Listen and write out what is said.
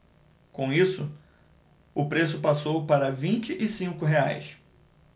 com isso o preço passou para vinte e cinco reais